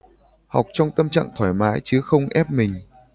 học trong tâm trạng thoải mái chứ không ép mình